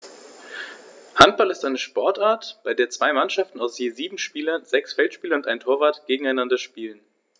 Handball ist eine Sportart, bei der zwei Mannschaften aus je sieben Spielern (sechs Feldspieler und ein Torwart) gegeneinander spielen.